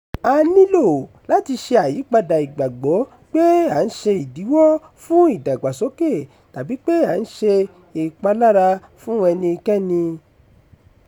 A nílò láti ṣe àyípadà ìgbàgbọ́ pé à ń ṣe ìdíwọ́ fún ìdàgbàsókè tàbí pé à ń ṣe ìpalára fún ẹnikẹ́ni.